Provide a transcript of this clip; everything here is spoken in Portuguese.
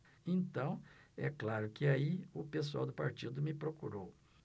então é claro que aí o pessoal do partido me procurou